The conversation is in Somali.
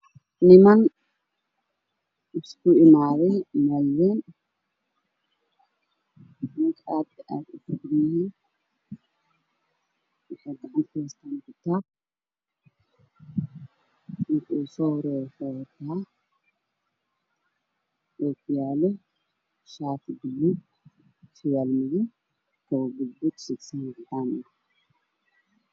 Waxaa ii muuqda dad fara badan oo buugaag akhrinaya labada qof ee dhexdo ku jirtay oo u horeysa waxa ay wataan suudad waxa ayna akhrinayaan buugag